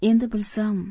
endi bilsam